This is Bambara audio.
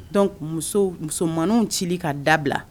Dɔnkuc musoman ci ka dabila